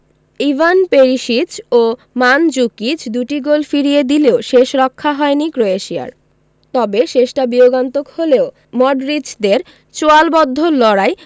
Ivan Perisic ও Mandzukic দুটি goal ফিরিয়ে দিলেও শেষরক্ষা হয়নি ক্রোয়েশিয়ার তবে শেষটা বিয়োগান্তক হলেও মডরিচদের চোয়ালবদ্ধ লড়াই